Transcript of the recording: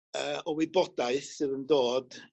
yy o wybodaeth sydd yn dod